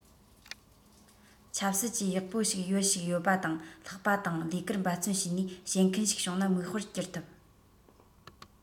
ཆབ སྲིད ཅུད ཡག པོ ཞིག ཡོད ཞིག ཡོད པ དང ལྷག པ དང ལས ཀར འབད བརྩོན བྱས ནས བྱེད མཁན ཞིག བྱུང ན མིག དཔེར གྱུར ཐུབ